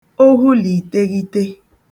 ohu là ìteghite